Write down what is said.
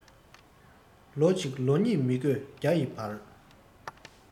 ལོ གཅིག ལོ གཉིས མི དགོས བརྒྱ ཡི བར